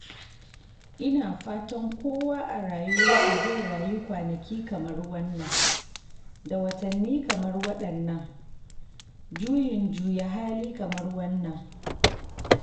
Ina fatan kowa, a rayuwarsa, zai rayu kwanaki kamar wannan, da watanni kamar waɗannan, juyin juya hali kamar wannan. #tunisia #tnelec